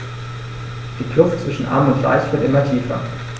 Die Kluft zwischen Arm und Reich wird immer tiefer.